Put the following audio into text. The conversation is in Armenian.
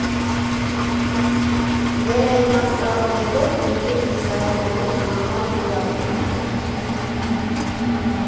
Վերաիմաստավորելով Գյումրու Իսահակյանի անվան պուրակը։